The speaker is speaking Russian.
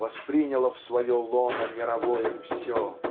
восприняло в свое лоно мировое Все